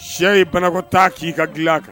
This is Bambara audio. Sɛ ye banakɔtaa k'i ka dilan kan